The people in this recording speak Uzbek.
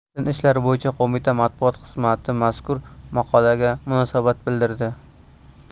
din ishlari bo'yicha qo'mita matbuot xizmati mazkur maqolaga munosabat bildirdi